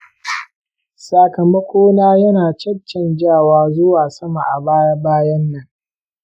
sakamakona ya na caccanjawa zuwa sama a baya-bayan nan.